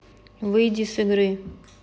выйди с игры